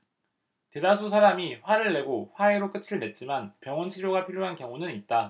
대다수 사람이 화를 내고 화해로 끝을 맺지만 병원 치료가 필요한 경우는 있다